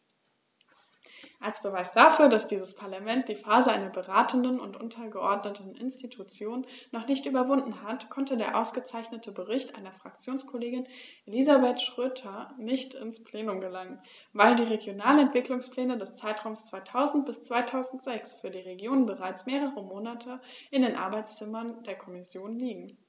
Als Beweis dafür, dass dieses Parlament die Phase einer beratenden und untergeordneten Institution noch nicht überwunden hat, konnte der ausgezeichnete Bericht meiner Fraktionskollegin Elisabeth Schroedter nicht ins Plenum gelangen, weil die Regionalentwicklungspläne des Zeitraums 2000-2006 für die Regionen bereits mehrere Monate in den Arbeitszimmern der Kommission liegen.